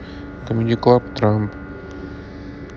камеди клаб трамп